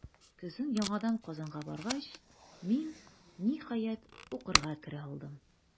Көзен яңадан Казанга баргач, мин, ниһаять, укырга керә алдым.